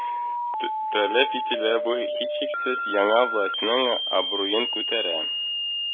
Таләп ителә, бу, һичшиксез, яңа властьның абруен күтәрә